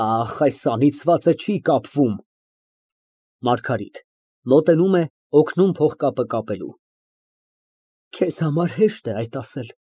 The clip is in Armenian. Ահ, այս անիծվածը չի կապվում։ ՄԱՐԳԱՐԻՏ ֊ (Մոտենում է, օգնում փողկապը կապելու) Քեզ համար հեշտ է այդ ասել։